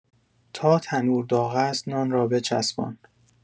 تا تنور داغ است نان را بچسبان